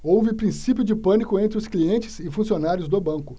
houve princípio de pânico entre os clientes e funcionários do banco